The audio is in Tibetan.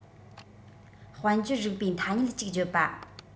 དཔལ འབྱོར རིག པའི ཐ སྙད ཅིག བརྗོད པ